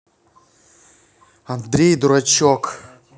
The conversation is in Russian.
андрей дурачок